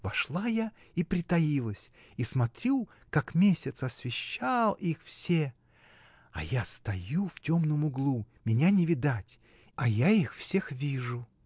Вошла я и притаилась, и смотрю, как месяц освещал их все, а я стою в темном углу: меня не видать, а я их всех вижу.